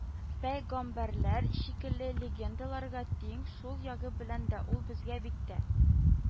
Пәйгамбәрләр шикелле, легендаларга тиң, шул ягы белән дә ул безгә бик тә